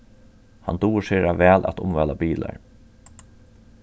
hann dugir sera væl at umvæla bilar